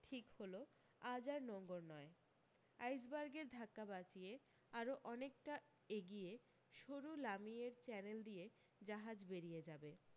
ঠিক হল আজ আর নঙর নয় আইসবার্গের ধাক্কা বাঁচিয়ে আরও অনেকটা এগিয়ে সরু লামিয়ের চ্যানেল দিয়ে জাহাজ বেরিয়ে যাবে